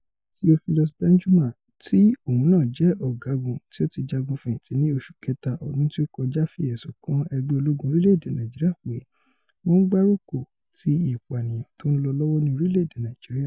Theophilus Danjuma, tí òun náà jẹ́ ọ̀gágun tí ó ti jagun fẹ̀yìntì ní oṣù kẹ́ta ọdún tí ó kọjá fi ẹ̀sùn kan "ẹgbẹ́ ológun orílẹ̀-èdè Nàìjíríà pé wọ́n ń gbárùkù ti ìpànìyàn tó ń lọ lọ́wọ́ ní orílẹ̀-èdè Nàìjíríà".